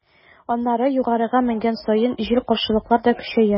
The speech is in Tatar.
Аннары, югарыга менгән саен, җил-каршылыклар да көчәя.